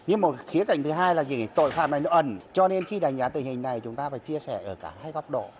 nhưng một khía cạnh thứ hai là gì tội phạm này nó ẩn cho nên khi đánh giá tình hình này chúng ta phải chia sẻ ở cả hai góc độ